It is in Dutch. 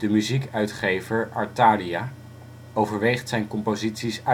muziekuitgever Artaria overweegt zijn composities